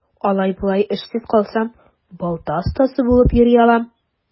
Алай-болай эшсез калсам, балта остасы булып йөри алам.